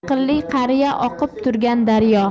aqlli qariya oqib turgan daryo